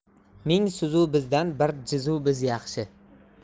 ming siz u bizdan bir jiz u biz yaxshi